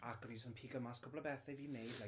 ac o'n i jyst yn pigio mas cwpl o bethau i fi wneud like...